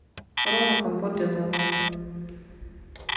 рома компот и вова